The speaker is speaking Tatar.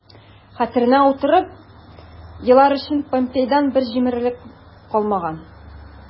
Хәтеренә утырып елар өчен помпейдан бер җимерек калмаган...